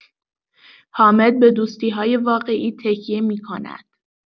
حامد به دوستی‌های واقعی تکیه می‌کند.